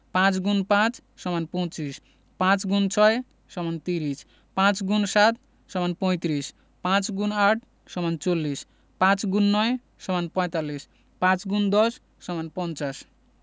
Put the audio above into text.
৫× ৫ = ২৫ ৫x ৬ = ৩০ ৫× ৭ = ৩৫ ৫× ৮ = ৪০ ৫x ৯ = ৪৫ ৫×১০ = ৫০